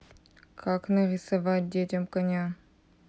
как нарисовать детям коня